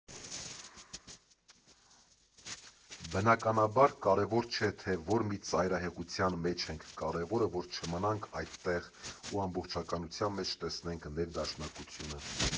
Բնականաբար, կարևոր չէ, թե որ մի ծայրահեղության մեջ ենք, կարևորը, որ չմնանք այդտեղ ու ամբողջականության մեջ տեսնենք ներդաշնակությունը։